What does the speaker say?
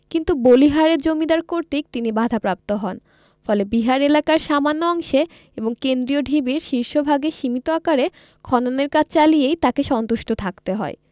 কিন্তু বলিহারের জমিদার কর্তৃক তিনি বাধাপ্রাপ্ত হন ফলে বিহার এলাকার সামান্য অংশে এবং কেন্দ্রীয় ঢিবির শীর্ষভাগে সীমিত আকারে খননের কাজ চালিয়েই তাঁকে সন্তুষ্ট থাকতে হয়